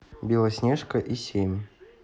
белоснежка и семь